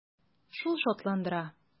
Шул шатландыра.